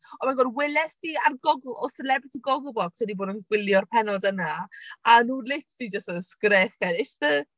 Oh my god weles 'di ar gogl- Celebrity Gogglebox. Dwi 'di bod yn gwylio'r pennod yna, a o'n nhw literally jyst yn sgrechian. It's the...